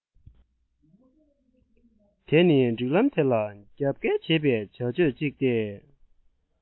དེ ནི སྒྲིག ལམ དེ ལ རྒྱབ འགལ བྱེད པའི བྱ སྤྱོད ཅིག སྟེ